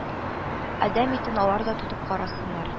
Адәм итен алар да татып карасыннар